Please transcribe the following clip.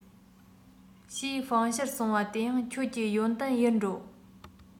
ཞེས སྤང བྱར གསུངས པ དེ ཡང ཁྱོད ཀྱི ཡོན ཏན ཡིན འགྲོ